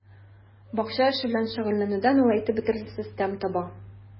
Бакча эше белән шөгыльләнүдән ул әйтеп бетергесез тәм таба.